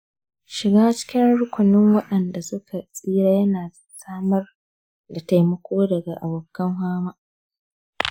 shiga cikin rukunin waɗanda suka tsira ya na samar da taimakon daga abokan-fama.